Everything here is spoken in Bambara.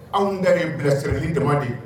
Anw da ye bilasirali dama de ye